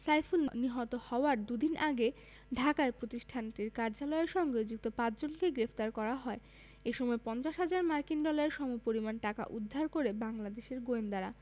সাইফুল নিহত হওয়ার দুদিন আগে ঢাকায় প্রতিষ্ঠানটির কার্যালয়ের সঙ্গে যুক্ত পাঁচজনকে গ্রেপ্তার করা হয় এ সময় ৫০ হাজার মার্কিন ডলারের সমপরিমাণ টাকা উদ্ধার করে বাংলাদেশের গোয়েন্দারা